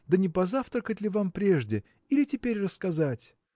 Да не позавтракать ли вам прежде, или теперь рассказать?